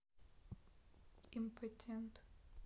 импотент